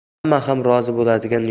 hamma ham rozi bo'ladigan